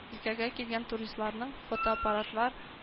Өлкәгә килгән туристларның фотоаппаратлар